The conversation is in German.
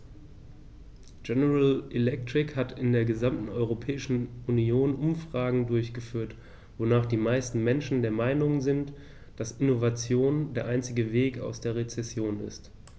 General Electric hat in der gesamten Europäischen Union Umfragen durchgeführt, wonach die meisten Menschen der Meinung sind, dass Innovation der einzige Weg aus einer Rezession ist.